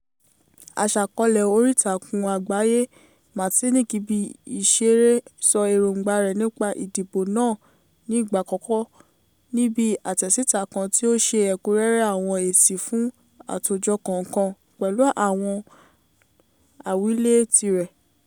Aṣàkọ́ọ́lẹ̀ orí ìtàkùn àgbáyé Martinique ibi ìṣeré [moi] sọ èróńgbà rẹ̀ nípa ìdìbò náà ní ìgbà àkọ́kọ́, níbi àtẹ̀síta kan tí ó ṣe ẹ̀kúnrẹ́rẹ́ àwọn èsì fún àtòjọ kọ̀ọ̀kan, pẹ̀lú àwọn àwílé tirẹ̀.